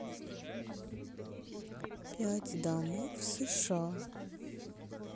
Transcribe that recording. пять домов сша